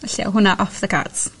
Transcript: felly odd hwnna off the cards.